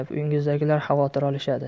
uyingizdagilar xavotir olishadi